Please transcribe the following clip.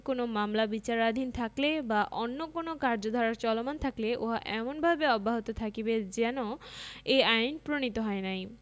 কোন মামলা বিচারাধীন থাকলে বা অন্য কোন কার্যধারা চলমান থাকলে উহা এমনভাবে অব্যাহত থাকিবে যেন এই আইন প্রণীত হয় নাই